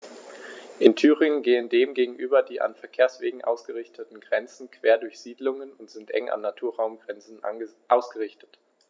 In Thüringen gehen dem gegenüber die an Verkehrswegen ausgerichteten Grenzen quer durch Siedlungen und sind eng an Naturraumgrenzen ausgerichtet.